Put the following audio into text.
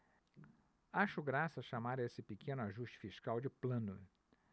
acho graça chamar esse pequeno ajuste fiscal de plano